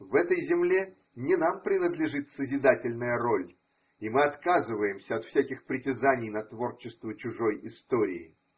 В этой земле не нам принадлежит созидательная роль, и мы отказываемся от всяких притязаний на творчество чужой истории.